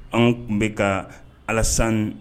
Anw tun bɛ ka alasan